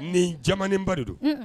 Nin jamanenba de don, unhun